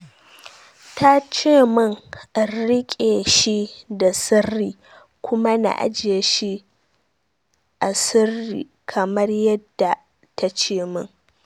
"Ta ce min in rike shi da sirri kuma na aje shi asiri kamar yadda ta ce min."